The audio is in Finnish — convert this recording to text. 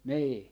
niin